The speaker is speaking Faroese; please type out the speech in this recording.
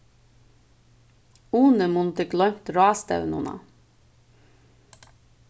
uni mundi gloymt ráðstevnuna